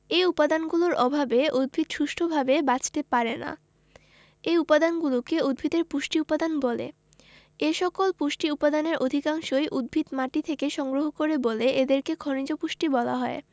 এ উপাদানগুলোর অভাবে উদ্ভিদ সুষ্ঠুভাবে বাঁচতে পারে না এ উপাদানগুলোকে উদ্ভিদের পুষ্টি উপাদান বলে এসকল পুষ্টি উপাদানের অধিকাংশই উদ্ভিদ মাটি থেকে সংগ্রহ করে বলে এদেরকে খনিজ পুষ্টি বলা হয়